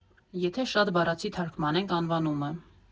Եթե շատ բառացի թարգմանենք անվանումը։